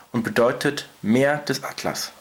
bedeutet Meer des Atlas